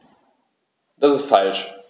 Das ist falsch.